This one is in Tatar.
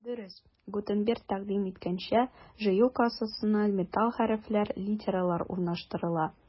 Дөрес, Гутенберг тәкъдим иткәнчә, җыю кассасына металл хәрефләр — литералар урнаштырыла.